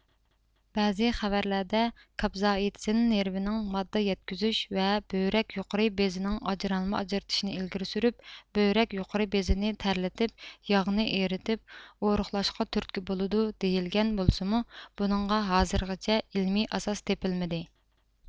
بەزى خەۋەرلەردە كاپزائىتسىن نېرۋىنىڭ ماددا يەتكۈزۈش ۋە بۆرەك يۇقىرى بېزىنىڭ ئاجرالما ئاجرىتىشىنى ئىلگىرى سۈرۈپ بۆرەك يۇقىرى بېزىنى تەرلىتىپ ياغنى ئېرىتىپ ئورۇقلاشقا تۈرتكە بولىدۇ دېيىلگەن بولسىمۇ بۇنىڭغا ھازىرغىچە ئىلمىي ئاساس تېپىلمىدى